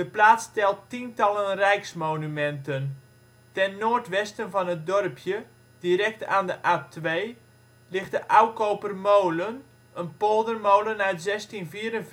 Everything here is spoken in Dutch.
plaats telt tientallen rijksmonumenten. Ten noordwesten van het dorpje, direct aan de A2 ligt de Oukoper Molen, een poldermolen uit 1644